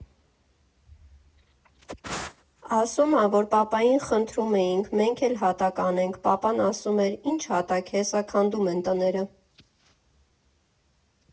Ասում ա, որ պապային խնդրում էինք՝ մենք էլ հատակ անենք, պապան ասում էր՝ ի՞նչ հատակ, հեսա քանդում են տները։